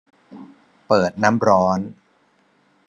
เปิดน้ำร้อน